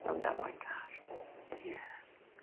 Mewn damwain car. Ie.